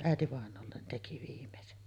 äitivainajalle teki viimeisen